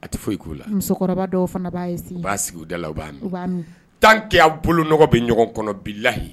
A tɛ foyi k' la musokɔrɔba dɔw fana sigi da tanya bolo nɔgɔ bɛ ɲɔgɔn kɔnɔ bi layi